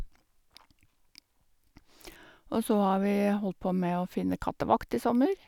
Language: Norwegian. Og så har vi holdt på med å finne kattevakt i sommer.